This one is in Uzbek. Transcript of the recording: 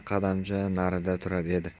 qadamcha narida turar edi